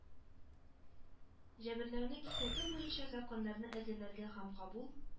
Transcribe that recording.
Әберләүне кисәтү буенча законнарны әзерләргә һәм кабул